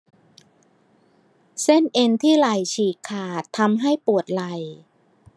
เส้นเอ็นที่ไหล่ฉีกขาดทำให้ปวดไหล่